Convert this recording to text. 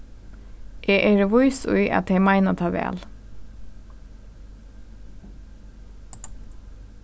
eg eri vís í at tey meina tað væl